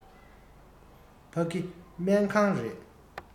ཕ གི སྨན ཁང རེད